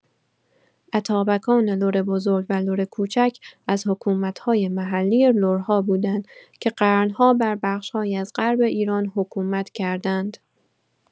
اتابکان لر بزرگ و لر کوچک از حکومت‌های محلی لرها بودند که قرن‌ها بر بخش‌هایی از غرب ایران حکومت کردند.